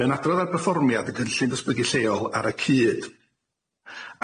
Ma'n adrodd ar perfformiad y cynllun datblygu lleol ar y cyd.